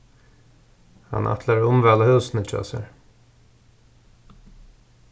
hann ætlar at umvæla húsini hjá sær